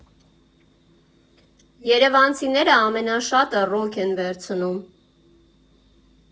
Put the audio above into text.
Երևանցիները ամենաշատը ռոք են վերցնում։